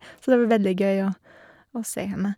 Så det var veldig gøy å å se henne.